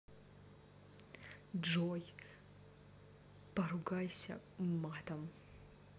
джой поругайся матом